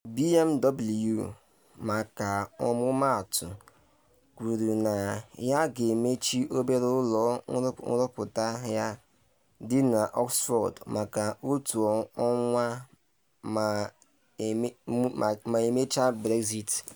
BMW, maka ọmụmatụ, kwuru na ya ga-emechi Obere ụlọ nrụpụta ya dị na Oxford maka otu ọnwa ma emechaa Brexit.